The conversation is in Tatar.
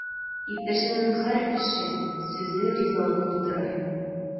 Иптәшеңнең һәр эше, сүзе ризалык тудырыр.